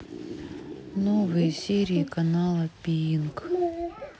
новые серии канала пинк